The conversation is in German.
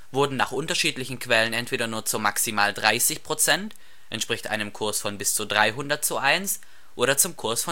wurden nach unterschiedlichen Quellen entweder nur zu maximal 30 % (entspricht einem Kurs von bis zu 300:1) oder zum Kurs